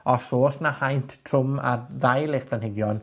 Os o's 'na haent trwm ar ddail eich planhigion,